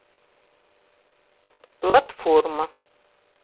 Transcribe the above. платформа